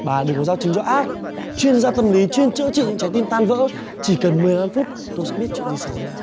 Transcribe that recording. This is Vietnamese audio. bà đừng có giao trứng cho ác chuyên gia tâm lý chuyên chữa trị những trái tim tan vỡ chỉ cần mười lăm phút tôi sẽ biết chuyện gì xảy ra